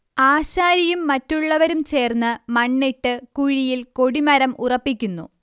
ആശാരിയും മറ്റുള്ളവരും ചേർന്ന് മണ്ണിട്ട് കുഴിയിൽ കൊടിമരം ഉറപ്പിക്കുന്നു